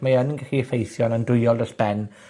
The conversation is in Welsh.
mae yn gyllu effeithio'n andwyol dros ben